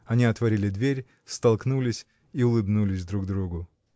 Они отворили дверь, столкнулись и улыбнулись друг другу.